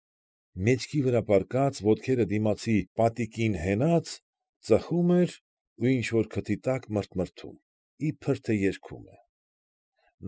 Մեջքի վրա պառկած, ոտքերը դիմացի պատիկին հենած, ծխում էր ու ինչ֊որ քթի տակ մրթմրթում, իբր թե երգում է։